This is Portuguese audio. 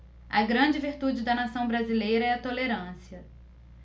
a grande virtude da nação brasileira é a tolerância